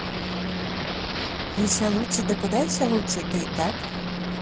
еще лучше да куда еще лучше ты и так